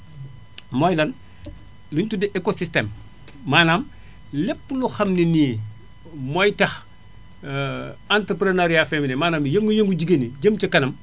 mooy lan li ñu tuddee écosystème maanaam lépp loo xam ne nii mooy tax entreprenariat féminin bi maanaam yëngu-yëngu jigéen ñi jëm ca kanam